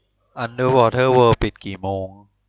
อันเดอร์วอเตอร์เวิล์ดปิดกี่โมง